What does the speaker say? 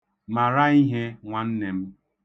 Mara ihe nwanne m!